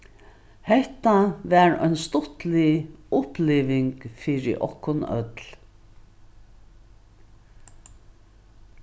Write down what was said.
hetta var ein stuttlig uppliving fyri okkum øll